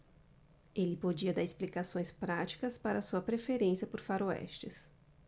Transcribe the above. ele podia dar explicações práticas para sua preferência por faroestes